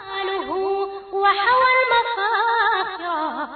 Sa wa wa bɛ yo